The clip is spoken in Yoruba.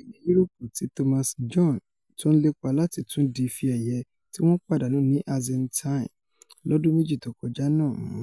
Ikọ̀ ilẹ̀ Yuroopu ti Thomas Bjorn, tó ńlépa láti tún di ife-ẹyẹ̀ tí wọ́n pàdánù ní Hazeltine lọ́dún méjì tókọjá náà mu,